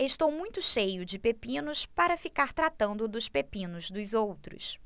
estou muito cheio de pepinos para ficar tratando dos pepinos dos outros